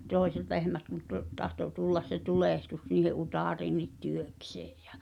toiset lehmät kun - tahtoi tulla se tulehdus niiden utareisiinkin työkseen ja